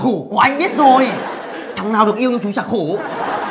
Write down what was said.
khổ quá anh biết rồi thằng nào được yêu như chú chả khổ